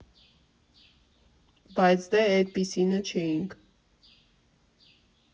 Բայց դե էտպիսինը չէինք։